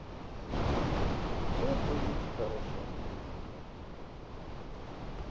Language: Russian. все будет хорошо